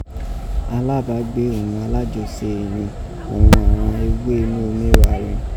Alábàágbé òghun alájọse iyọ̀n òghun àghan ewé inọ́ omi gha rin.